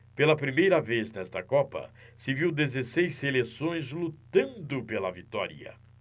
pela primeira vez nesta copa se viu dezesseis seleções lutando pela vitória